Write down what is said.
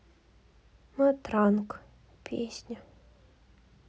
матранг песни